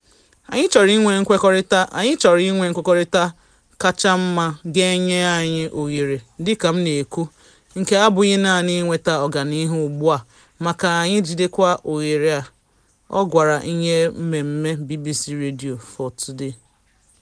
“Anyị chọrọ inwe nkwekọrịta. Anyị chọrọ inwe nkwekọrịta kacha mma ga-enye anyị oghere dịka m na-ekwu, nke abụghị naanị inweta ọganihu ugbu a ma ka anyị jidekwa oghere a,” ọ gwara ihe mmemme BBC Radio 4 Today.